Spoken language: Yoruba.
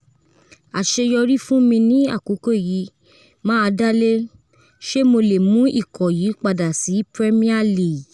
’’Àṣeyọrí fún mi ní àkókò yìí máa dálé ‘ṣé mo lè mú ikọ̀ yìí padà sí Premier League?’